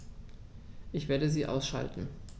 Ich werde sie ausschalten